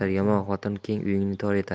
yomon xotin keng uyingni tor etar